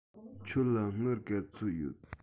ཁྱོད ལ དངུལ ག ཚོད ཡོད